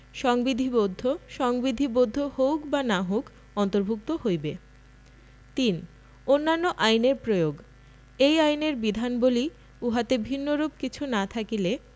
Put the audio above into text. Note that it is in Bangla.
সংবিধিবদ্ধ সংবিধিবদ্ধ হউক বা না হউক অন্তর্ভুক্ত হইবে ৩ অন্যান্য আইনের প্রয়োগ এই আইনের বিধানবলী উহাতে ভিন্নরূপ কিছু না থাকিলে